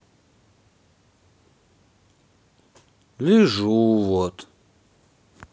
лежу вот